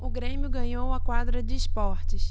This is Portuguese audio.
o grêmio ganhou a quadra de esportes